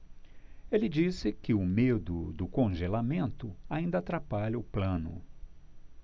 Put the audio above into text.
ele disse que o medo do congelamento ainda atrapalha o plano